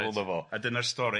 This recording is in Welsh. ...a dyna'r stori.